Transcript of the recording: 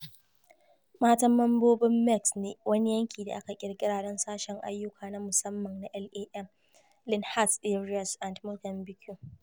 Matan mambobin MEX ne, wani yanki da aka ƙirƙira don Sashen Ayyukan na Musamman na LAM - Linhas Aereas de Mocambiƙue.